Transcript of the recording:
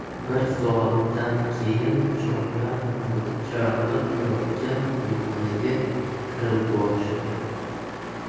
bir soatdan keyin chiroqlar nurida charaqlab yotgan to'yxonaga kirib borishdi